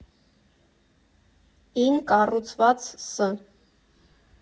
֊ին կառուցված Ս.